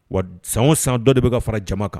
Wa san o san dɔ de bɛka ka fara jama kan